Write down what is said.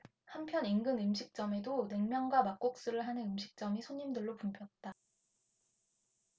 한편 인근 음식점에도 냉면과 막국수를 하는 음식점이 손님들로 붐볐다